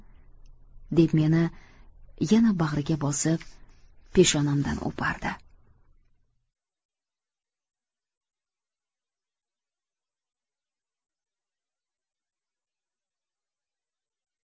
deb meni yana bag'riga bosib peshonamdan o'pardi